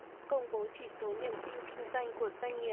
công bố chỉ số niềm tin kinh doanh của doanh nghiệp